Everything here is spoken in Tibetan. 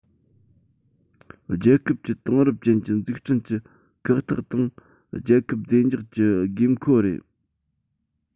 རྒྱལ ཁབ གྱི དེང རབས ཅན གྱི འཛུགས སྐྲུན གྱི ཁག ཐེག དང རྒྱལ ཁབ བདེ འཇགས ཀྱི དགོས མཁོ རེད